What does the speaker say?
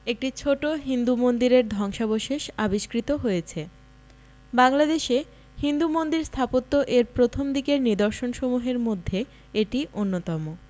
একটি ছোট হিন্দু মন্দিরের ধ্বংশাবশেষ আবিষ্কৃত হয়েছে বাংলাদেশে হিন্দু মন্দির স্থাপত্য এর প্রথমদিকের নিদর্শনসমূহের মধ্যে এটি অন্যতম